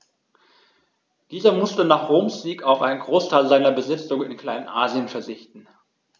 Dieser musste nach Roms Sieg auf einen Großteil seiner Besitzungen in Kleinasien verzichten.